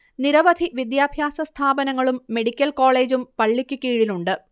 നിരവധി വിദ്യാഭ്യാസ സ്ഥാപനങ്ങളും മെഡിക്കൽ കോളേജും പള്ളിക്ക് കീഴിലുണ്ട്